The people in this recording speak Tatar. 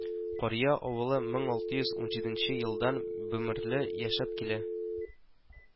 Карья авылы мең алты йөз унҗиденче елдан бэмэрле яшәп килә